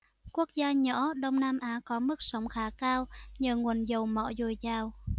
quốc gia nhỏ đông nam á có mức sống khá cao nhờ nguồn dầu mỏ dồi dào